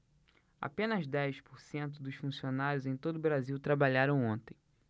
apenas dez por cento dos funcionários em todo brasil trabalharam ontem